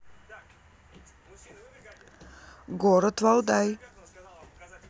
город валдай